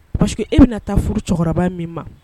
Parce que e bɛna taa furu cɛkɔrɔba min ma